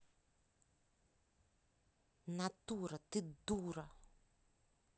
natura ты дура